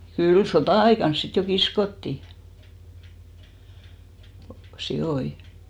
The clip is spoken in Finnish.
kyllä sota-aikana sitten jo kiskottiin sikoja